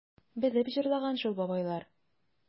Белеп җырлаган шул бабайлар...